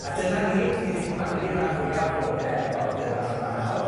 A dyna ni. Ni 'di plannu rhan fwya o flode yn y border fach yma nawr.